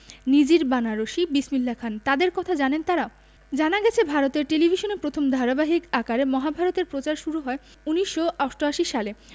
নিজির বানারসি বিসমিল্লা খান তাঁদের কথা জানেন তাঁরা জানা গেছে ভারতের টেলিভিশনে প্রথম ধারাবাহিক আকারে মহাভারত এর প্রচার শুরু হয় ১৯৮৮ সালে